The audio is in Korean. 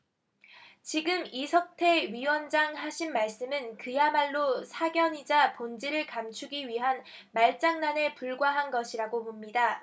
지금 이석태 위원장 하신 말씀은 그야말로 사견이자 본질을 감추기 위한 말장난에 불과한 것이라고 봅니다